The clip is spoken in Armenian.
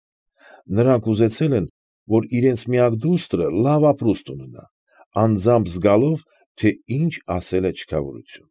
Նրանք ուզեցել են, որ իրենց միակ դուստրը լավ ապրուստ ունենա, անձամբ զգալով, թե ինչ ասել է չքավորություն։